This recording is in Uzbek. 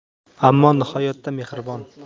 ammo nihoyatda mehribon